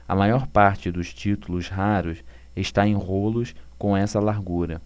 a maior parte dos títulos raros está em rolos com essa largura